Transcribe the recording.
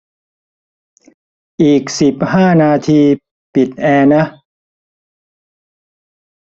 อีกสิบห้านาทีปิดแอร์นะ